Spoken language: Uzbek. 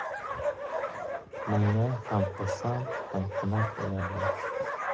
bunga ham xursand ham xunob bo'lardim